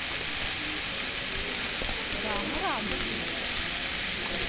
дамы рады